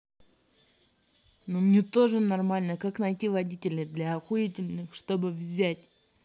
ну мне тоже нормально как найти водителей для охуительных чтобы взять